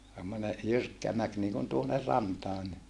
semmoinen jyrkkä mäki niin kuin tuonne rantaan niin